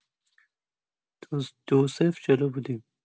دو-صفر جلو بودیم